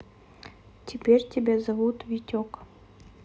теперь тебя зовут витек